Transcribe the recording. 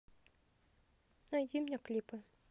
найди мне клипы